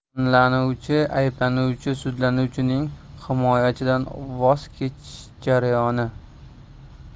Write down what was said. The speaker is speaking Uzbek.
gumonlanuvchi ayblanuvchi sudlanuvchining himoyachidan voz kechish jarayoni